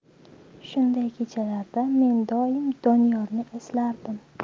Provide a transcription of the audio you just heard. shunday kechalarda men doim doniyorni eslardim